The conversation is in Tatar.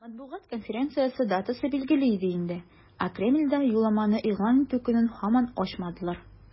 Матбугат конференциясе датасы билгеле иде инде, ә Кремльдә юлламаны игълан итү көнен һаман ачмадылар.